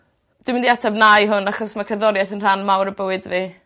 Dwi'n mynd i ateb na i hwn achos ma' cerddoriaeth yn rhan mawr o bywyd fi.